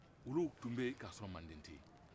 olu tun bɛ yen k'a sɔrɔ mande